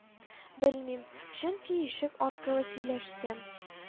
Белмим, чөнки ишек аркылы сөйләштем